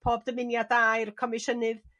pob dymuniad da i'r Comisiynydd